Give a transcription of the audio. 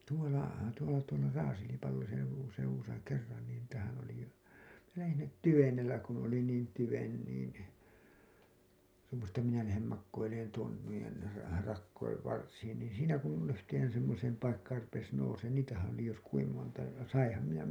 tuolla tuolla tuolla Raaselipallosen seudussa kerran niin niitähän oli minä lähdin sinne tyvenellä kun oli niin tyven niin tuumasin että minä lähden makoilemaan tuon noiden - rakojen varsiin niin siinä kun yhteen semmoiseen paikkaan rupesi nousemaan niitähän oli jos kuinka monta ja sainhan minä